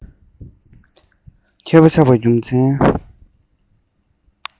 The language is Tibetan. མཁས པ ཆགས པའི རྒྱུ མཚན